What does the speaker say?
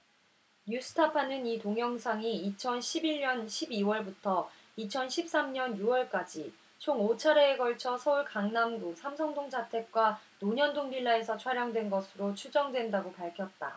뉴스타파는 이 동영상이 이천 십 일 년 십 이 월부터 이천 십 삼 년 유 월까지 총 오 차례에 걸쳐 서울 강남구 삼성동 자택과 논현동 빌라에서 촬영된 것으로 추정된다고 밝혔다